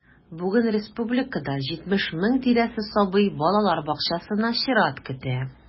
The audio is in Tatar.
Бүген республикада 70 мең тирәсе сабый балалар бакчасына чират көтә.